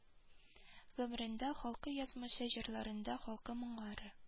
Гомерендә халкы язмышы җырларында халкы моңнары